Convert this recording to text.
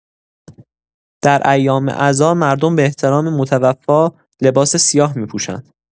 در ایام عزا، مردم به احترام متوفی لباس سیاه می‌پوشند.